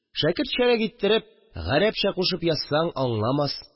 Шәкертчәрәк иттереп, гарәпчә кушып язсаң аңламас